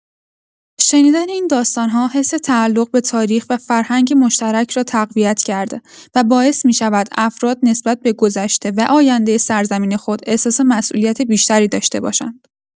شنیدن این داستان‌ها حس تعلق به‌تاریخ و فرهنگ مشترک را تقویت کرده و باعث می‌شود افراد نسبت به گذشته و آینده سرزمین خود احساس مسئولیت بیشتری داشته باشند.